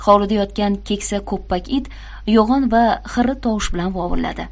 hovlida yotgan keksa ko'ppak it yo'g'on va xirri tovush bilan vovulladi